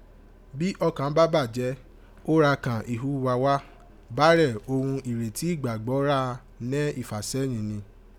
Bi ọkàn bá bàjẹ́, o ra kàn ìhùwà wa; bárẹ̀ òghun ìrètí igbàgbọ́ ra nẹ́ ìfànẹ́yìn rin.